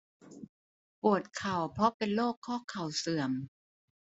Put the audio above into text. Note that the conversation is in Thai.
ปวดเข่าเพราะเป็นโรคข้อเข่าเสื่อม